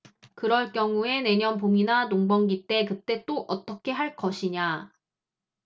그럴 경우에 내년 봄이나 농번기 때 그때 또 어떻게 할 것이냐